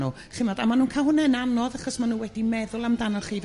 nhw ch'mod a ma' nhw'n ca'l hwnna'n anodd achos ma' nhw wedi meddwl amdanoch chi